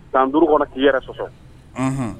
Taaan duuru kɔnɔ k'i yɛrɛ sɔsɔ